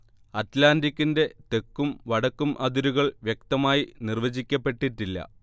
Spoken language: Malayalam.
അറ്റ്ലാന്റിക്കിന്റെ തെക്കും വടക്കും അതിരുകൾ വ്യക്തമായി നിർവചിക്കപ്പെട്ടിട്ടില്ല